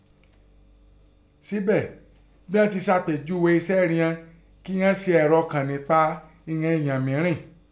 Sẹ́bẹ̀, bẹ́n inọ́n se sàpèjúghe ẹṣẹ́ rian an àn se ọ̀rọ̀ kàn únpa ìnọn ọ̀ọ̀yàn mìírìn.